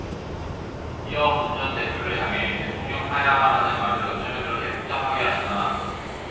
이어 문 전 대표를 향해 대통령 하야하라는 말을 어쩌면 그렇게 복잡하게 하시나